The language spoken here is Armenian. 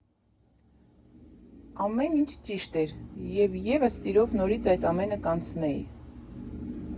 Ամեն ինչ ճիշտ էր, և ես սիրով նորից այդ ամենը կանցնեի։